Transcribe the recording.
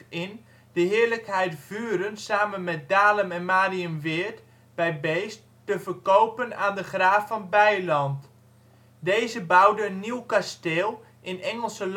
in de heerlijkheid Vuren, samen met Dalem en Marienweerd bij Beesd, te verkopen aan de graaf van Bylandt. Deze bouwde een nieuw ‘kasteel’ in Engelse landhuisstijl